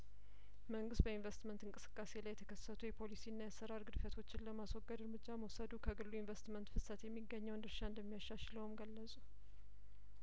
መንግስት በኢንቨስትመንት እንቅስቃሴ ላይየተከሰቱ የፖሊሲና የአሰራር ግድፈቶችን ለማስወገድ ርምጃ መውሰዱ ከግሉ ኢንቨስትመንት ፍሰት የሚገኘውን ድርሻ እንደሚያሻሽለውም ገለጹ